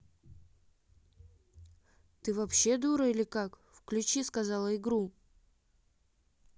ты вообще дура или как выключи сказала игру